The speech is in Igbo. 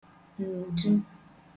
ǹdu